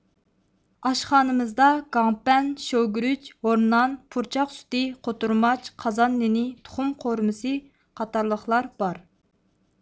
ئاشخانىمىزدا گاڭپەن شوۋىگۈرۈچ ھورنان پۇرچاق سۈتى قوتۇرماچ قازان نېنى تۇخۇم قورۇمىسى قاتارلىقلار بار